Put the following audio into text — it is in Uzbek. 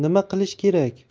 nima qilish kerak